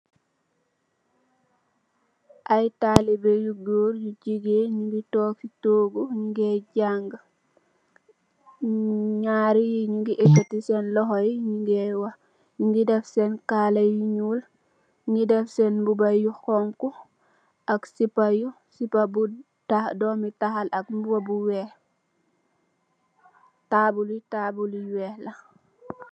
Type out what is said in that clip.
Aye talibeh yu goor yu jegain nuge tonke se toogu nuge jaga nyari ye nuge ekate sen lohou ye nuge wah nuge def sen kalaye yu nuul nuge def sen mubaye yu xonxo ak sepa yu sepa bu dome taal ak muba bu weex taablu taablu weex la.